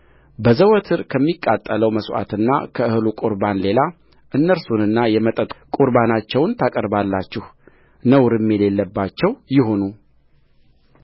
በዘወትር ከሚቃጠለው መሥዋዕትና ከእህሉ ቍርባን ሌላ እነርሱንና የመጠጥ ቍርባናቸውን ታቀርባላችሁ ነውርም የሌለባቸው ይሁኑ